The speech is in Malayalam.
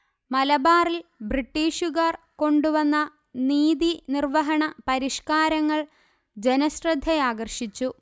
മലബാറിൽ ബ്രിട്ടീഷുകാർ കൊണ്ടുവന്ന നീതിനിർവഹണ പരിഷ്കാരങ്ങൾ ജനശ്രദ്ധയാകർഷിച്ചു